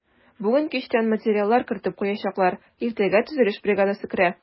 Бүген кичтән материаллар кертеп куячаклар, иртәгә төзелеш бригадасы керә.